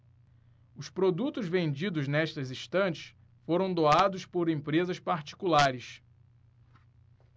os produtos vendidos nestas estantes foram doados por empresas particulares